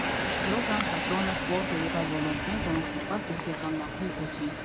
Յոգան, թատրոնը, սպորտը և այլ ոլորտներ, որոնք ստիպված դուրս եկան մաքուր օդի։